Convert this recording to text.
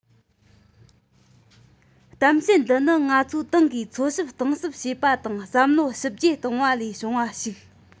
གཏམ བཤད འདི ནི ང ཚོའི ཏང གིས འཚོལ ཞིབ གཏིང ཟབ བྱས པ དང བསམ བློ ཞིབ རྒྱས བཏང བ ལས བྱུང བ ཞིག